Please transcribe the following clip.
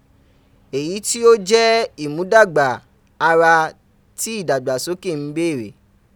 eyi ti o je imudagba ara ti idagbasoke nbeere.